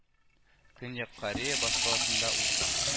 Көньяк Корея башкаласында узган